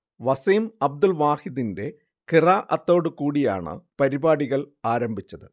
വസീംഅബ്ദുൽ വാഹിദിന്റെ ഖിറാ അത്തോട് കൂടിയാണ് പരിപാടികൾ ആരംഭിച്ചത്